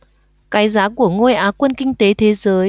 cái giá của ngôi á quân kinh tế thế giới